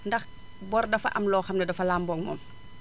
ndax bor dafa am loo xam ne dafa lamboo ak moom